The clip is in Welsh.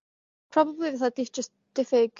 probably fatha' jyst diffyg